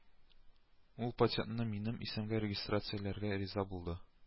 Ул патентны минем исемгә регистрацияләргә риза булды